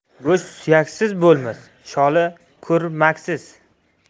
go'sht suyaksiz bo'lmas sholi kurmaksiz